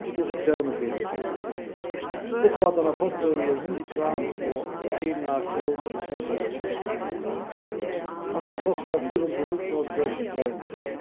tíggju túsund krónur fyri meg upphæddin á kontuni er hundrað og eina krónu og seks oyrur hatta kostar fýra hundrað og níggjuoghálvfjerðs krónur